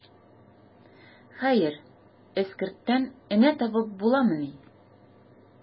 Хәер, эскерттән энә табып буламыни.